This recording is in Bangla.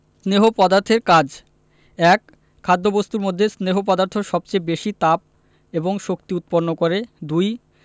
স্নেহ পদার্থের কাজ ১. খাদ্যবস্তুর মধ্যে স্নেহ পদার্থ সবচেয়ে বেশী তাপ এবং শক্তি উৎপন্ন করে ২.